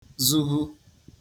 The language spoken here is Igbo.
zuhu